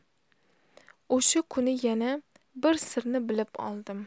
o'sha kuni yana bir sirni bilib oldim